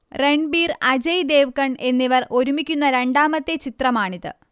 റൺബീർ അജയ് ദേവ്ഗൺ എന്നിവർ ഒരുമിക്കുന്ന രണ്ടാമത്തെ ചിത്രമാണിത്